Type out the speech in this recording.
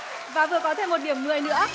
và vừa có thêm một điểm mười nữa